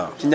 waaw